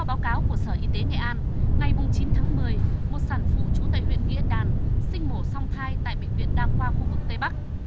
theo báo cáo của sở y tế nghệ an ngày mùng chín tháng mười một sản phụ trú tại huyện nghĩa đàn sinh mổ song thai tại bệnh viện đa khoa khu vực tây bắc